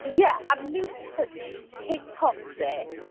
Yeah, and Luca being king toxic.